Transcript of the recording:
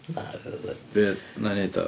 Na, fydd o ddim... Bydd wna i wneud o.